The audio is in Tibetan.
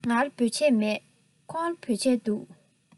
ང ལ བོད ཆས མེད ཁོ ལ བོད ཆས འདུག